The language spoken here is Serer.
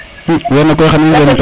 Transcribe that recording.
wene koy xa i ngenu